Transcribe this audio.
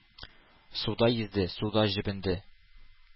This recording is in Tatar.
Суда йөзде, суда җебенде.